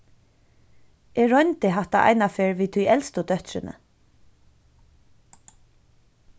eg royndi hatta einaferð við tí elstu dóttrini